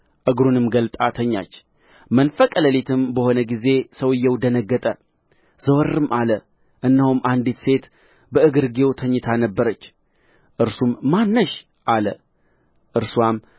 እግሩንም ገልጣ ተኛች መንፈቀ ሌሊትም በሆነ ጊዜ ሰውዮው ደነገጠ ዘወርም አለ እነሆም አንዲት ሴት በእግርጌው ተኝታ ነበረች እርሱም ማን ነሽ አለ እርስዋም